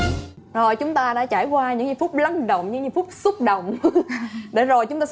rồi chúng ta đã trải qua những giây phút lắng đọng những giây phút xúc động để rồi chúng ta